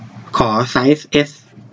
ขอไซส์เอส